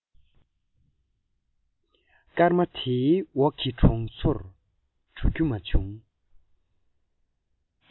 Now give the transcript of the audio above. སྐར མ དེའི འོག གི གྲོང ཚོར འགྲོ རྒྱུ མ བྱུང